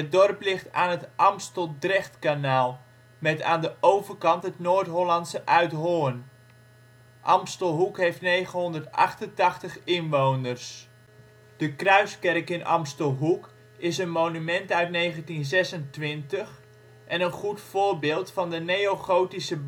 dorp ligt aan het Amstel-Drechtkanaal, met aan de overkant het Noord-Hollandse Uithoorn. Amstelhoek heeft 988 inwoners (2007). Kerktoren De Kruiskerk in Amstelhoek is een monument uit 1926, en een goed voorbeeld van de neo-gotische